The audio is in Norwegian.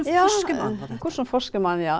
ja hvordan forsker man ja?